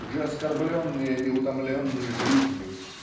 уже оскорбленные и утомленные жизнью